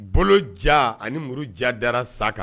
Bolo ja ani muruja dara sa kan